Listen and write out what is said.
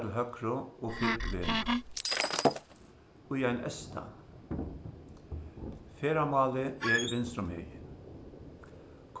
til høgru og fylg vegnum í ein eystan ferðamálið er vinstrumegin